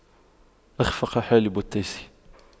أَخْفَقَ حالب التيس